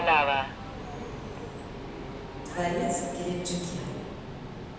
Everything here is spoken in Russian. дворец в геленджике